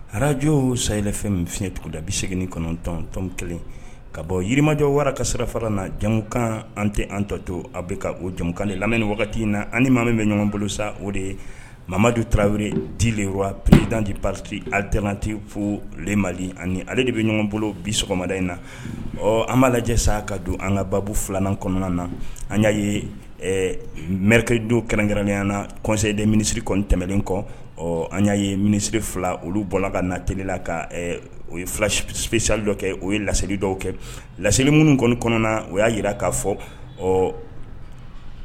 Arajo saylafɛn min fiɲɛ tugun da bi segin kɔnɔntɔntɔn kelen ka bɔ yirimajɔ wara ka sira fara na jamumukan an tɛ an tɔ to a bɛ ka o jamukan la ni wagati in na ani maa min bɛ ɲɔgɔn bolo sa o de ye mamamadu taraweley di de pereddi pati alitti fo ma ani ale de bɛ ɲɔgɔn bolo bi sɔgɔmada in na ɔ an' lajɛ sa ka don an ka baabu filanan kɔnɔna na an y'a ye mkedo kɛrɛnnenya nasɛden minisiri kɔn tɛmɛnen kɔ ɔ an y'a ye minisiriri fila olu bɔra ka natɛla ka o ye fisali dɔ kɛ o ye laseli dɔw kɛ laseli minnu kɔnɔna kɔnɔna na o y'a jira k'a fɔ ɔ